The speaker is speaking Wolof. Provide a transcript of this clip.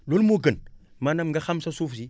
loolu moo gën maanaam nga xam sa suuf si